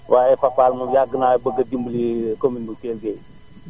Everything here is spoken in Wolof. waaw Fapal moom yàgg naa bëgg a dimbali commune Kelle Gueye